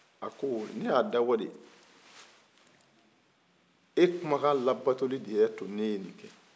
a ko ne y'a dabɔ de e kumakan labatoli de y'a to ne ye ni kɛ